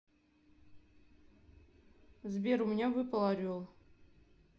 сбер у меня выпал орел